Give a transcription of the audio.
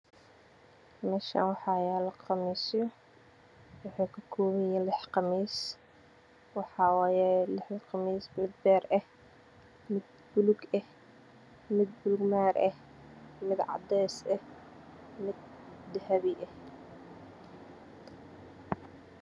Meeshaan waxaa yaalo qamiisyo. Waxay ka kooban yihiin lix qamiis. Midi waa beer, mid buluug ah, mid buluug maari ah, mid cadeys ah iyo mid dahabi ah.